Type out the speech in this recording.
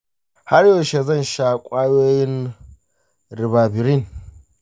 har yaushe zan sha kwayoyin ribavirin?